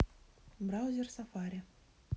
браузер safari